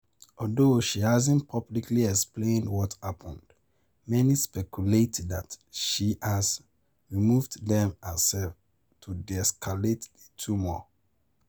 Although she hasn't publicly explained what happened, many speculate that she has removed them herself to de-escalate the turmoil.